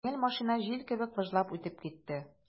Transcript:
Җиңел машина җил кебек выжлап үтеп китте.